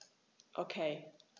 Okay.